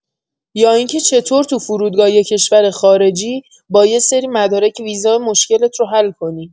یا اینکه چطور تو فرودگاه یه کشور خارجی، با یه سری مدارک ویزا مشکلت رو حل کنی.